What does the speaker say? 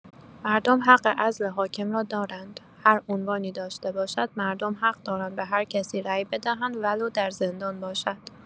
مردم حق عزل حاکم را دارند، هر عنوانی داشته باشد، مردم حق دارند به هر کسی رای بدهند ولو در زندان باشد!